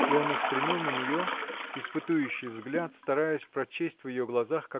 – И он устремил на нее испытующий взгляд стараясь прочесть в ее глазах